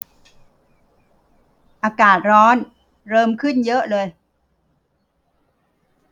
อากาศร้อนเริมขึ้นเยอะเลย